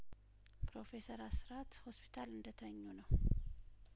ፕሮፌሰር አስራት ሆስፒታል እንደተኙ ነው